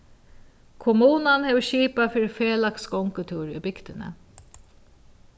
kommunan hevur skipað fyri felags gongutúri í bygdini